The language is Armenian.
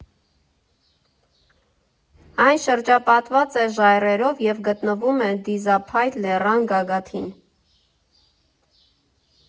Այն շրջապատված է ժայռերով և գտնվում է Դիզափայտ լեռան գագաթին։